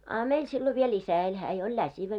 a meillä silloin vielä isä eli hän jo oli läsivä